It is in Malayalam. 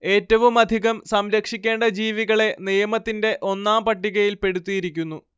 ഏറ്റവുമധികം സംരക്ഷിക്കേണ്ട ജീവികളെ നിയമത്തിന്റെ ഒന്നാം പട്ടികയിൽ പെടുത്തിയിരിക്കുന്നു